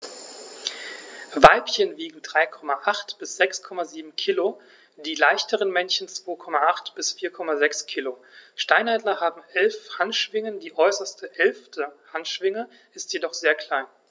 Weibchen wiegen 3,8 bis 6,7 kg, die leichteren Männchen 2,8 bis 4,6 kg. Steinadler haben 11 Handschwingen, die äußerste (11.) Handschwinge ist jedoch sehr klein.